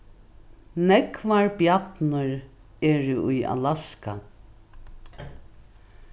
nógvar bjarnir eru í alaska